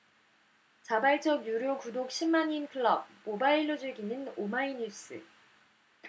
자발적 유료 구독 십 만인클럽 모바일로 즐기는 오마이뉴스